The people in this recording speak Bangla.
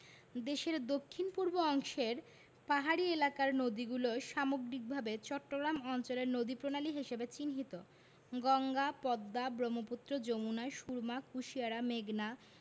দেশের দক্ষিণ পূর্ব অংশের পাহাড়ী এলাকার নদীগুলো সামগ্রিকভাবে চট্টগ্রাম অঞ্চলের নদীপ্রণালী হিসেবে চিহ্নিত গঙ্গা পদ্মা ব্রহ্মপুত্র যমুনা সুরমা কুশিয়ারা মেঘনা